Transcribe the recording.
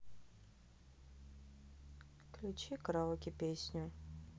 включи караоке песню